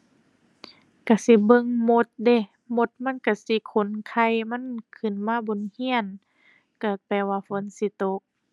ก็สิเบิ่งมดเดะ มดมันก็สิขนไข่มันขึ้นมาบนก็ ก็แปลว่าฝนสิตก